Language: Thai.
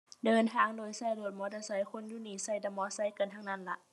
เดินทางโดยใช้รถมอเตอร์ไซค์ คนอยู่นี่ใช้แต่มอไซค์กันทั้งนั้นล่ะ